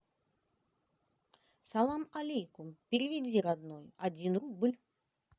салам алейкум переведи родной один рубль